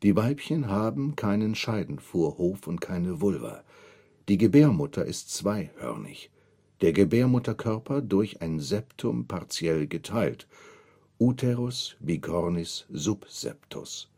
Weibchen haben keinen Scheidenvorhof und keine Vulva. Die Gebärmutter ist zweihörnig, der Gebärmutterkörper durch ein Septum partiell geteilt (Uterus bicornis subseptus